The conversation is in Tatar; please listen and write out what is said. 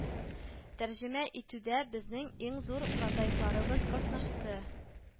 Тәрҗемә итүдә безнең иң зур прозаикларыбыз катнашты